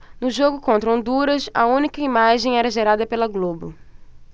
no jogo contra honduras a única imagem era gerada pela globo